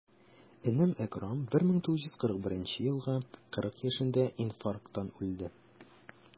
Энем Әкрам, 1941 елгы, 40 яшендә инфаркттан үлде.